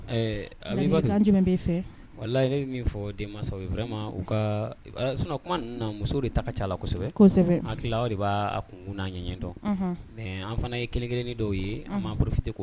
Fɛ wala la bɛ min fɔ den wɛrɛ ma u ka sun tuma na muso de ta ka ca lasɛbɛsɛbɛ ha o de b'a kun n'a ɲɛ ɲɛ dɔn mɛ an fana ye kelen kelenini dɔw ye maaurufin tɛ